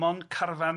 mond carfan